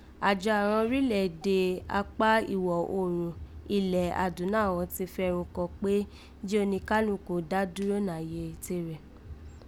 Àjọ aghan orílẹ̀ èdè akpá ìwọ̀n oòrùn Ilẹ̀ Adúnnàghọ̀ ti fẹrun kò kpé jí oníkálukú dá dúró nàyè te rẹ̀